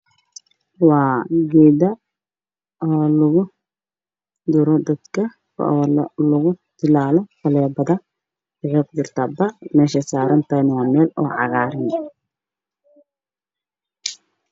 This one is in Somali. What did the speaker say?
Waa falebo lagu duro dadka waxey kujirta bac meshey sarantahay waa cagar